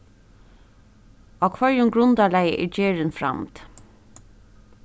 á hvørjum grundarlagi er gerðin framd